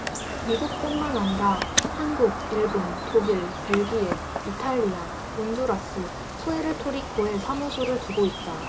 미국뿐만 아니라 한국 일본 독일 벨기에 이탈리아 온두라스 푸에르토리코에 사무소를 두고 있다